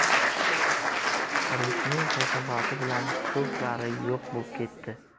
urushning kasofati bilan ko'plari yo'q bo'p ketdi